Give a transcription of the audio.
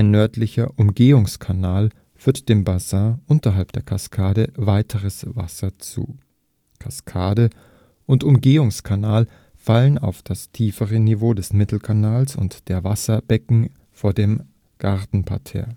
nördlicher Umgehungskanal führt dem Bassin unterhalb der Kaskade weiteres Wasser zu. Kaskade und Umgehungskanal fallen auf das tiefere Niveau des Mittelkanals und der Wasserbecken vor dem Gartenparterre